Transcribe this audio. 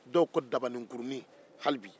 dɔw ko dabanikurunin hali bi